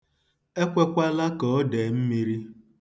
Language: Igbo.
Ekwekwala ka o dee mmiri.